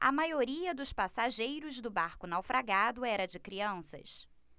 a maioria dos passageiros do barco naufragado era de crianças